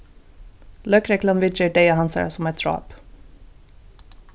løgreglan viðger deyða hansara sum eitt dráp